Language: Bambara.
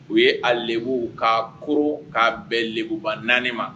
U ye a lebu k'a koron k'a bɛɛn lebuba 4 ma